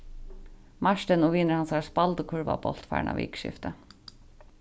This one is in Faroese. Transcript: martin og vinir hansara spældu kurvabólt farna vikuskifti